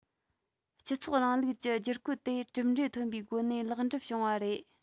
སྤྱི ཚོགས རིང ལུགས ཀྱི བསྒྱུར བཀོད དེ གྲུབ འབྲས ཐོན པའི སྒོ ནས ལེགས འགྲུབ བྱུང བ རེད